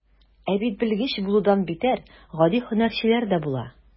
Ә бит белгеч булудан битәр, гади һөнәрчеләр дә була.